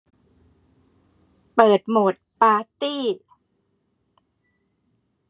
เปิดโหมดปาร์ตี้